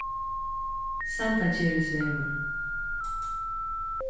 sandagerðisvegur